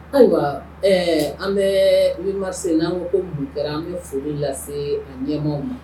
Ayiwa ɛɛ an bɛ bi ma sen' ko mun kɛra an bɛ furu lase an ɲɛma ma